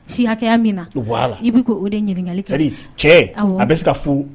Si hakɛ min na. Voilà . I bɛ k'o de ɲininkali kɛ. Cɛ ,a bɛ se ka furu.